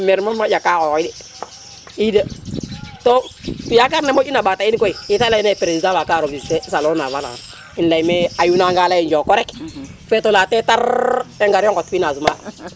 maire mom fogame ka xoxiɗ i de to ke moƴ ina mbata in koy yete ley na ye president ka waro vister salon na France um leye Ayou nanga ley njoko rek feto la te tar i ngar yo ŋot financement